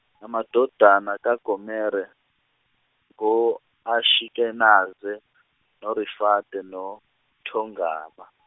amadodana kaGomere ngo Ashikenaze, noRifate, noThongama.